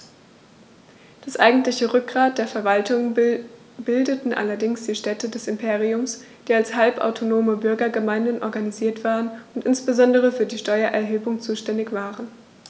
Das eigentliche Rückgrat der Verwaltung bildeten allerdings die Städte des Imperiums, die als halbautonome Bürgergemeinden organisiert waren und insbesondere für die Steuererhebung zuständig waren.